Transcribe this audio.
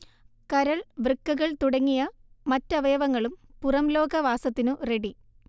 കരൾ, വൃക്കകൾ തുടങ്ങിയ മറ്റവയവങ്ങളും പുറംലോക വാസത്തിനു റെഡി